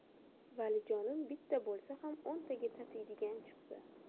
valijonim bitta bo'lsa ham o'ntaga tatiydigan chiqdi